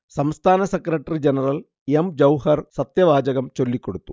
സംസ്ഥാന secretary general M. Jauhar സത്യവാചകം ചൊല്ലികൊടുത്തു